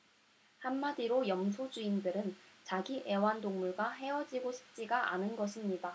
한마디로 염소 주인들은 자기 애완동물과 헤어지고 싶지가 않은 것입니다